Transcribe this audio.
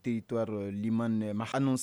Territoire